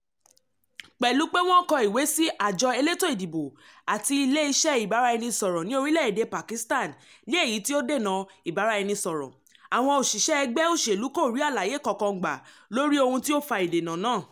Pẹ̀lú pé wọ́n kọ ìwé sí àjọ elétò ìdìbò àti Ilé Iṣẹ́ Ìbáraẹnisọ̀rọ̀ ní orílẹ́ èdè Pakistan (ní èyí tí ó dènà ìbáraẹnisọ̀rọ̀), àwọn òṣìṣẹ́ ẹgbẹ́ òṣèlú kò rí àlàyé kankan gba lórí ohun tí ó fa ìdènà náà.